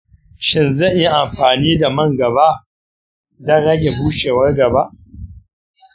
shin zan iya amfani da man gaba don rage bushewar gaba?